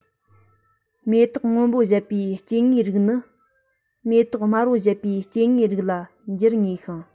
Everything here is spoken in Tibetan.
མེ ཏོག སྔོན པོ བཞད པའི སྐྱེ དངོས རིགས ནི མེ ཏོག དམར པོ བཞད པའི སྐྱེ དངོས རིགས ལ འགྱུར ངེས ཤིང